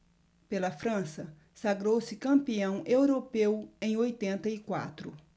pela frança sagrou-se campeão europeu em oitenta e quatro